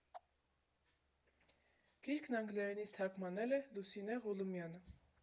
Գիրքն անգլերենից թարգմանել է Լուսինե Ղուլումյանը։